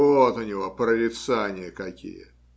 Вот у него прорицания какие!